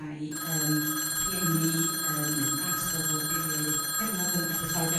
mai yrm rhieni yrm ne' plant yn dod o deuluoedd eitha' cefnog o'dd yn gallu fforddio